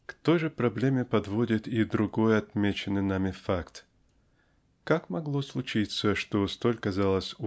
К той же проблеме подводит и другой отмеченный нами факт. Как могло случиться что столь казалось